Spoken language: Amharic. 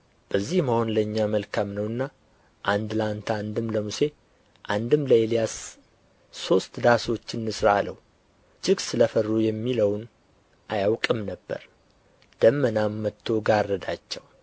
በዚህ መሆን ለእኛ መልካም ነውና አንድ ለአንተ አንድም ለሙሴ አንድም ለኤልያስ ሦስት ዳሶች እንሥራ አለው እጅግ ስለ ፈሩ የሚለውን አያውቅም ነበር ደመናም መጥቶ ጋረዳቸው